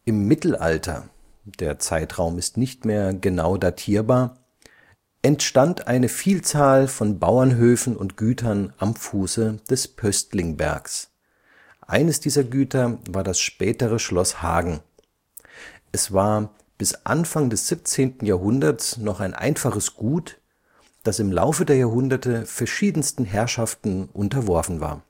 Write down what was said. Mittelalter – der Zeitraum ist nicht mehr genau datierbar – entstand eine Vielzahl von Bauernhöfen und Gütern am Fuße des Pöstlingbergs. Eines dieser Güter war das spätere Schloss Hagen. Es war bis Anfang des 17. Jahrhunderts noch ein einfaches Gut, das im Laufe der Jahrhunderte verschiedensten Herrschaften unterworfen war